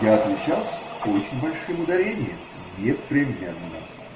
Я отвечал с очень большим ударением: -- Непременно!